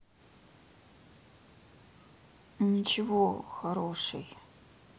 ничего хорошей